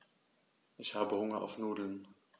Ich habe Hunger auf Nudeln.